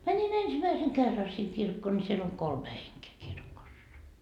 menin ensimmäisen kerran sinne kirkkoon niin siellä on kolme henkeä kirkossa